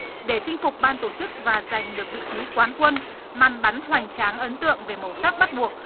để chinh phục ban tổ chức và giành được vị trí quán quân màn bắn hoành tráng ấn tượng về màu sắc bắt buộc